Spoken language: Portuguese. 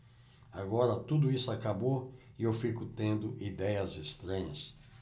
agora tudo isso acabou e eu fico tendo idéias estranhas